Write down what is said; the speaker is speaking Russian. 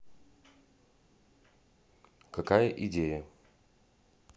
какая идея